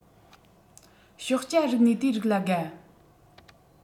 ཞོགས ཇ རིག གནས དེ རིགས ལ དགའ